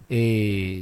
Ee